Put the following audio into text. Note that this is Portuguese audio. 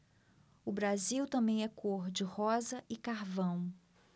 o brasil também é cor de rosa e carvão